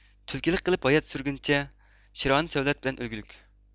تۈلكىلىك قىلىپ ھايات سۈرگۈنچە شىرانە سۆۋلەت بىلەن ئۆلگىلىك